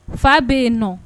Fa be yennɔ